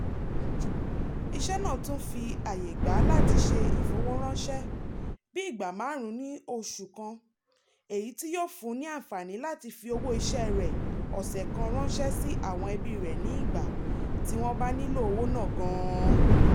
Iṣẹ́ náà tún fi àyè gbà á láti ṣe ìfowóránṣẹ́ - bíi ìgbà márùn-ún ní oṣù kan - èyí tí yóò fún ní àǹfààní láti fi owó iṣẹ́ rẹ̀ ọ̀sẹ̀ kan ránṣẹ́ sí àwọn ẹbí rẹ̀ ní ìgbà tí wọ́n bá nílò owó náà gan-an.